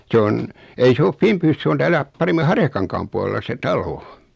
se on ei se ole Finbyssä se on täällä paremmin Harjakankaan puolella se talo